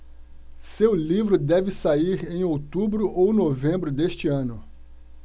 seu livro deve sair em outubro ou novembro deste ano